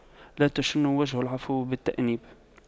لا تشن وجه العفو بالتأنيب